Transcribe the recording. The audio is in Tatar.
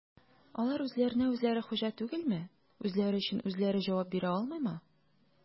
Алар үзләренә-үзләре хуҗа түгелме, үзләре өчен үзләре җавап бирә алмыймы?